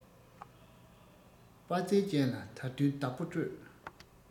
དཔའ རྩལ ཅན ལ དལ དུས བདག པོ སྤྲོད